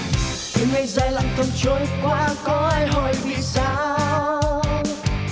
từng ngày dài lặng thầm trôi qua có ai hỏi vì sao